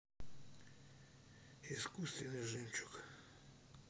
искусственный жемчуг